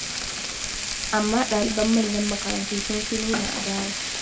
Amma ɗaliban manyan makarantu sun fi nuna adawa.